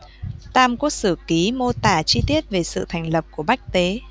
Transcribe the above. tam quốc sử ký mô tả chi tiết về sự thành lập của bách tế